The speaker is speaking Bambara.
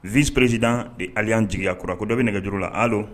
Vice-président de alliance jigiyakura, ko dɔ bɛ nɛgɛ juru la allo